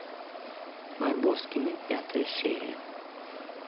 барбоскины пятая серия